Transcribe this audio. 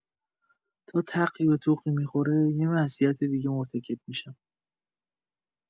تا تقی به توقی می‌خوره، یه معصیت دیگه مرتکب می‌شم!